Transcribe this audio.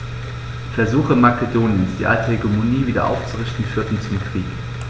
Versuche Makedoniens, die alte Hegemonie wieder aufzurichten, führten zum Krieg.